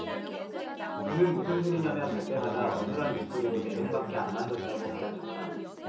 그는 무슨 소리냐며 발뺌하다 어눌한 목소리로 네 명밖에 안 만졌다고 받아쳤다